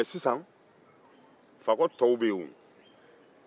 fako tɔw bɛ yen